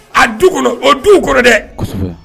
A du kɔnɔ o du kɔrɔ dɛ